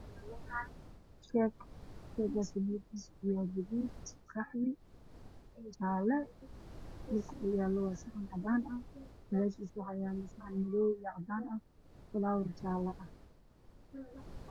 Meeshaan waxaa yaalo jeeg midabkiisu waa gaduud, qaxwi iyo jaale meesha uu yaalana waa cadaan waxaa yaalo saxan cadaan iyo falaawar cagaar ah.